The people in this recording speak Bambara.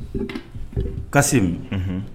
Kasimu. Unhun.